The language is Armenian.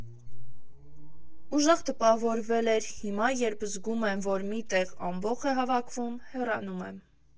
Ուժեղ տպավորվել էր, հիմա երբ զգում եմ, որ մի տեղ ամբոխ է հավաքվում, հեռանում եմ։